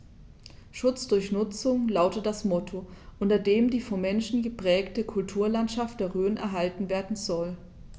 „Schutz durch Nutzung“ lautet das Motto, unter dem die vom Menschen geprägte Kulturlandschaft der Rhön erhalten werden soll.